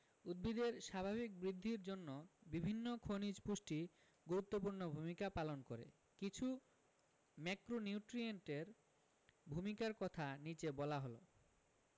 উদ্ভিদের স্বাভাবিক বৃদ্ধির জন্য বিভিন্ন খনিজ পুষ্টি গুরুত্বপূর্ণ ভূমিকা পালন করে কিছু ম্যাক্রোনিউট্রিয়েন্টের ভূমিকার কথা নিচে বলা হল